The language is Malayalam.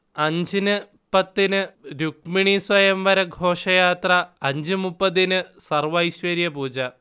അഞ്ചിന് പത്തിന് രുക്മിണീസ്വയംവര ഘോഷയാത്ര അഞ്ചുമുപ്പതിന് സർവൈശ്വര്യപൂജ